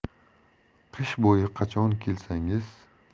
qish bo'yi qachon kelsangiz